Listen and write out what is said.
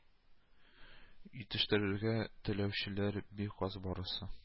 Итештерергә теләүчеләр бик аз, барысы